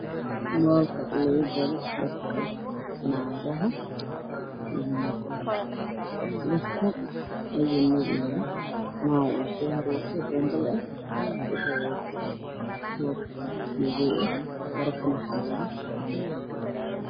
Waa carwo waxaa lagu gadaa dhar dumarka larkoodu yahay jaalo madow qalin daabi